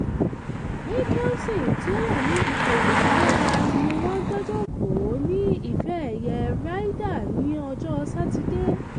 Mickelson tí ó wà ní ìpò ìpalára ní wọ́n dájókòó ní Ìfe ẹ̀yẹ Ryder ní ọjọ́ Sátidé